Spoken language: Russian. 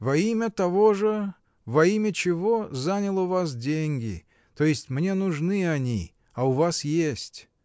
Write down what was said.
— Во имя того же, во имя чего занял у вас деньги, то есть мне нужны они, а у вас есть.